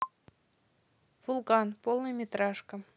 вулкан полнометражка